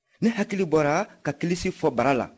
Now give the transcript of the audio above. ne hakili bɔra ka kilisi fɔ bara la